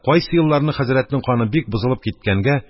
Кайсы елларны хәзрәтнең каны бик бозылып киткәнгә,